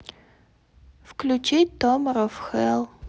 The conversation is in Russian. включить томар оф хелл